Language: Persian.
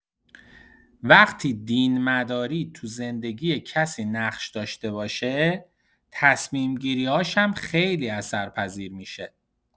وقتی دین‌مداری تو زندگی کسی نقش داشته باشه، تصمیم‌گیری‌هاش هم خیلی اثرپذیر می‌شه.